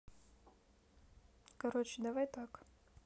короче давай так